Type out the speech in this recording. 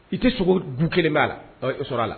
I tɛ sogo du kelen b'a la sɔrɔla a la